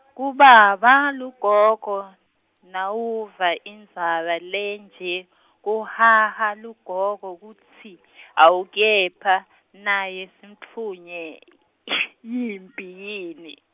Kubaba, lugogo, nawuva indzaba lenje, kuhaha lugogo kutsi , awu kepha, naye sitfunjwe , yimphi yini.